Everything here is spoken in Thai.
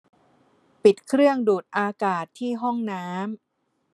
ปิดเครื่องดูดอากาศที่ห้องน้ำ